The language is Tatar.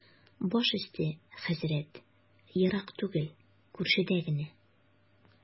Баш өсте, хәзрәт, ерак түгел, күршедә генә.